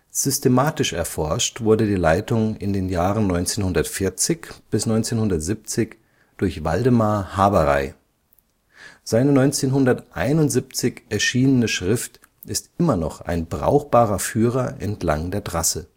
Systematisch erforscht wurde die Leitung in den Jahren 1940 bis 1970 durch Waldemar Haberey. Seine 1971 erschienene Schrift (siehe Literaturauswahl) ist immer noch ein brauchbarer Führer entlang der Trasse